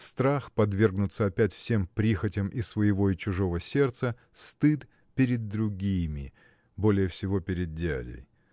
страх – подвергнуться опять всем прихотям и своего и чужого сердца стыд – перед другими более всего перед дядей.